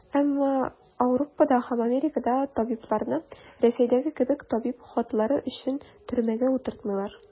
Әмма Ауропада һәм Америкада табибларны, Рәсәйдәге кебек, табиб хаталары өчен төрмәгә утыртмыйлар.